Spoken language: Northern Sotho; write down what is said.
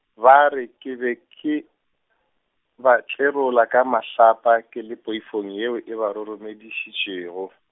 ba re ke be ke, ba tlerola ka mahlapa ke le poifong yeo e ba roromedišitšego .